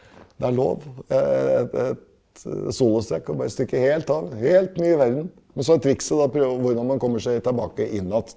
det er lov et solostrekk å bare stikke helt av helt ny verden, men så er trikset da å prøve å hvordan man kommer seg tilbake inn att.